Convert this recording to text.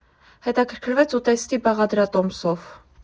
Հետաքրքրվեց ուտեստի բաղադրատոմսով.